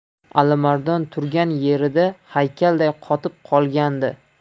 alimardon turgan yerida haykalday qotib qolgandi